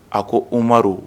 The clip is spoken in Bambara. A ko Umaru